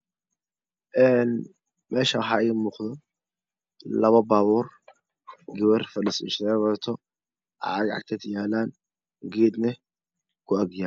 Een meeshaan waxaa iimuuqdo laba baabuur gabar fadhiso indho shareer wadato caago agteeda yaalaan geed leh ku agyaalo